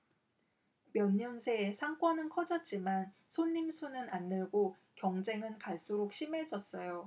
몇 년 새 상권은 커졌지만 손님 수는 안 늘고 경쟁은 갈수록 심해졌어요